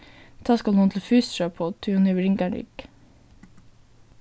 tá skal hon til fysioterapeut tí hon hevur ringan rygg